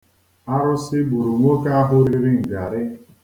Arụsị gburu nwoke ahụ riri ngarị.